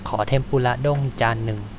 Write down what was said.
ขอเทมปุระด้งจานหนึ่ง